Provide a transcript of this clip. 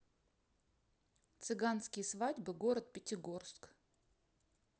цыганские свадьбы город пятигорск